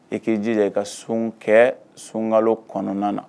E ki jija i ka sun kɛ sun kalo kɔnɔna na.